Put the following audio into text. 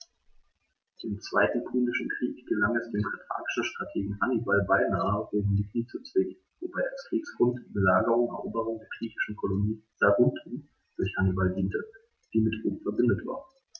Im Zweiten Punischen Krieg gelang es dem karthagischen Strategen Hannibal beinahe, Rom in die Knie zu zwingen, wobei als Kriegsgrund die Belagerung und Eroberung der griechischen Kolonie Saguntum durch Hannibal diente, die mit Rom „verbündet“ war.